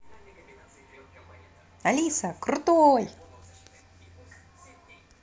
алиса крутой